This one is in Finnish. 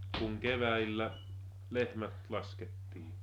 kun keväällä lehmät laskettiin